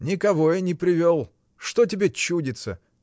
— Никого я не привел — что тебе чудится.